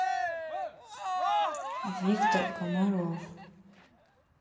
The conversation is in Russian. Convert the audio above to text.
виктор комаров